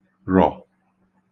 rọ̀